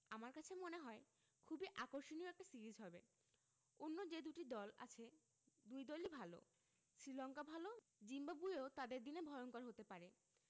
আমার কাছে মনে হয় খুবই আকর্ষণীয় একটা সিরিজ হবে অন্য যে দুটি দল আছে দুই দলই ভালো শ্রীলঙ্কা ভালো জিম্বাবুয়েও তাদের দিনে ভয়ংকর হতে পারে